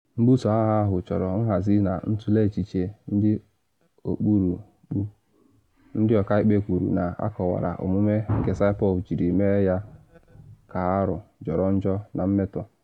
Mbuso agha ahụ chọrọ “nhazi na ntụle echiche dị ọkpụrụkpụ,” ndị ọkaikpe kwuru, na akọwara omume nke Saipov jiri mee ya ka “arụ, jọrọ njọ na mmetọ.”